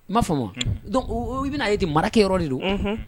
I b'a fɔ ma dɔn u bɛna ye di marakɛ yɔrɔ de don